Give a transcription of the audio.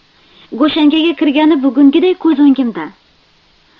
go'shangaga kirgani bugungiday ko'z o'ngimda